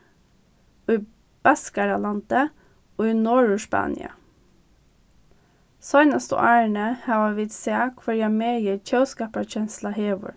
baskaralandi í norðurspania seinastu árini hava vit sæð hvørja megi tjóðskaparkensla hevur